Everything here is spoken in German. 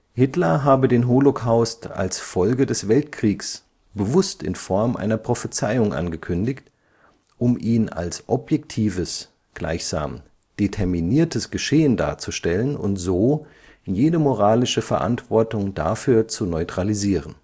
Hitler habe den Holocaust als Folge des Weltkriegs bewusst in Form einer Prophezeiung angekündigt, um ihn als objektives, gleichsam determiniertes Geschehen darzustellen und so jede moralische Verantwortung dafür zu neutralisieren